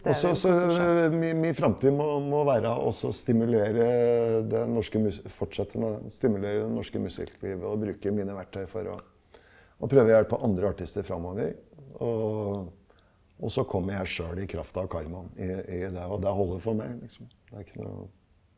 også så mi mi framtid må må være også stimulere det norske fortsette med å stimulere det norske musikklivet og bruke mine verktøy for å å prøve å hjelpe andre artister framover, og også kommer jeg sjøl i kraft av karmaen i i det og det holder for meg liksom det er ikke noe.